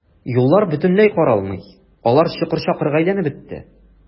Юллар бөтенләй каралмый, алар чокыр-чакырга әйләнеп бетте.